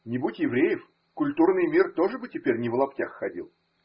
Не будь евреев, культурный мир тоже бы теперь не в лаптях ходил.